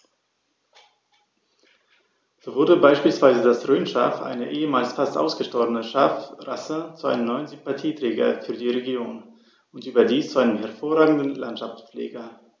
So wurde beispielsweise das Rhönschaf, eine ehemals fast ausgestorbene Schafrasse, zu einem neuen Sympathieträger für die Region – und überdies zu einem hervorragenden Landschaftspfleger.